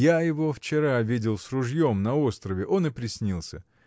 — Я его вчера видел с ружьем — на острове: он и приснился.